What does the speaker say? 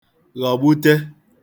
ghọ̀gbute